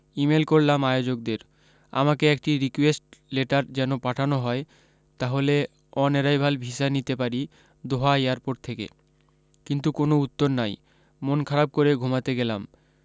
email করলাম আয়োজকদের আমাকে একটি রিকোয়েস্ট লেটার যেন পাঠানো হয় তাহলে অনেরাইভাল ভিসা নিতে পারি দোহা এয়ারপোর্ট থেকে কিন্তু কোন উত্তর নাই মন খারাপ করে ঘুমাতে গেলাম